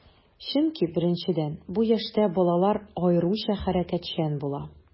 Чөнки, беренчедән, бу яшьтә балалар аеруча хәрәкәтчән була.